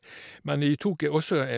Men i tok jeg også en...